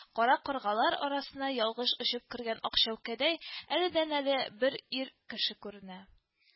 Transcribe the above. Кара каргалар арасына ялгыш очып кергән ак чәүкәдәй, әледән-әле бер ир кеше күренә